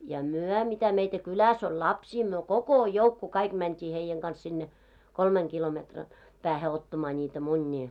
ja me mitä meitä kylässä oli lapsia me koko joukko kaikki mentiin heidän kanssa sinne kolmen kilometrin päähän ottamaan niitä munia